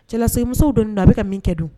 Cɛlamuso don da a bɛ ka min kɛ don